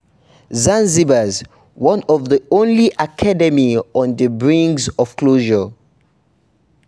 Zanzibar's one and only music academy on the brink of closure